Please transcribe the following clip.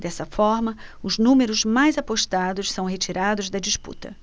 dessa forma os números mais apostados são retirados da disputa